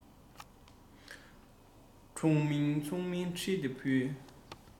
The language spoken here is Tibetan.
འཁྱུག མིན ཚུགས མིན བྲིས ཏེ ཕུལ